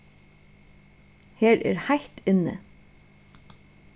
her er heitt inni